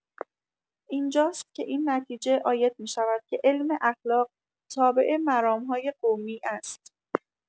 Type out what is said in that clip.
اینجاست که این نتیجه عاید می‌شود که علم اخلاق تابع مرام‌های قومی است